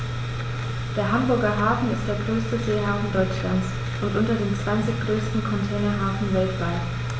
Der Hamburger Hafen ist der größte Seehafen Deutschlands und unter den zwanzig größten Containerhäfen weltweit.